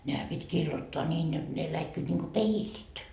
nehän piti kiillottaa niin jotta ne läikkyivät niin kuin peilit